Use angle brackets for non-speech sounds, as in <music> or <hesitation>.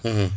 <hesitation> <hesitation>